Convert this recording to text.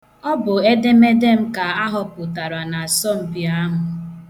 Ọ bụ edemede m ka ahọpụtara n' asọmpi ahụ.